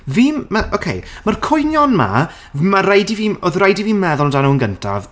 Fi'n, ma- OK, ma'r cwynion 'ma, ma' raid i fi... oedd raid i fi meddwl amdanyn nhw yn gynta...